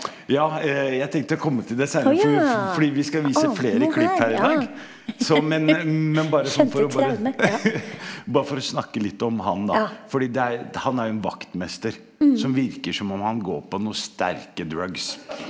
ja jeg tenkte å komme til det seinere, fordi vi skal vise flere klipp her i dag, så men men bare sånn for å bare bare for å snakke litt om han da fordi det er han er jo en vaktmester som virker som om han går på noen sterke drugs.